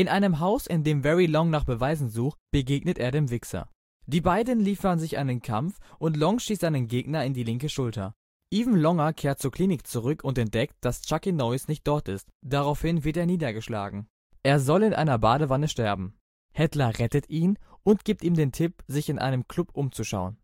einem Haus, in dem Very Long nach Beweisen sucht, begegnet er dem Wixxer. Die Beiden liefern sich einen Kampf und Long schießt seinen Gegner in die linke Schulter. Even Longer kehrt zur Klinik zurück und entdeckt, dass Chucky Norris nicht dort ist, daraufhin wird Longer niedergeschlagen. Er soll in einer Badewanne sterben. Hatler rettet ihn und gibt ihm den Tipp sich in einem Club umzuschauen